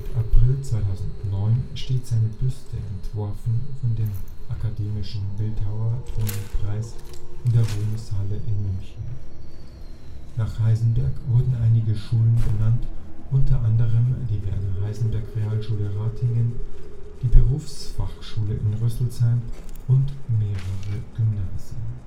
April 2009 steht seine Büste, entworfen von dem akademischen Bildhauer Toni Preis, in der Ruhmeshalle in München. Nach Heisenberg wurden einige Schulen benannt, unter anderem die Werner-Heisenberg-Realschule Ratingen, die Berufsfachschule in Rüsselsheim und mehrere Gymnasien